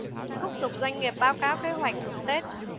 thúc giục doanh nghiệp báo cáo kế hoạch thưởng tết